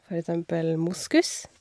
For eksempel moskus.